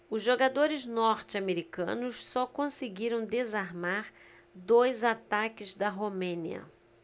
os jogadores norte-americanos só conseguiram desarmar dois ataques da romênia